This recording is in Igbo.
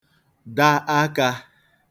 da akā